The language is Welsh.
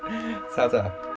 Tata.